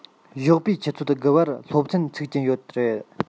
ཞོགས པའི ཆུ ཚོད དགུ པར སློབ ཚན ཚུགས ཀྱི ཡོད རེད